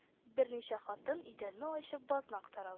Берничә хатын, идәнне ачып, базны актара